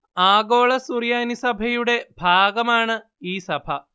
ആഗോള സുറിയാനി സഭയുടെ ഭാഗമാണ് ഈ സഭ